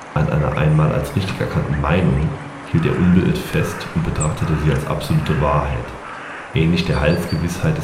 An einer einmal als richtig erkannten Meinung hielt er unbeirrt fest und betrachtete sie als absolute Wahrheit, ähnlich der Heilsgewissheit